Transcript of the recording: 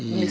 i